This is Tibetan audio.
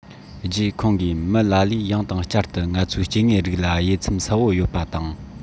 རྗེས ཁོང གིས མི ལ ལས ཡང དང བསྐྱར དུ ང ཚོའི སྐྱེ དངོས རིགས ལ དབྱེ མཚམས གསལ པོ ཡོད པ དང